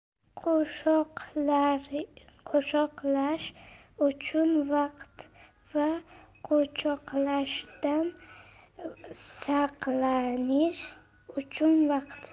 quchoqlash uchun vaqt va quchoqlashdan saqlanish uchun vaqt